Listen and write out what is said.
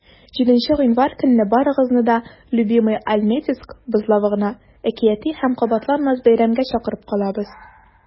7 гыйнвар көнне барыгызны да "любимыйальметьевск" бозлавыгына әкияти һәм кабатланмас бәйрәмгә чакырып калабыз!